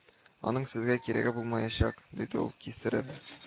— аның сезгә кирәге булмаячак, — диде ул кистереп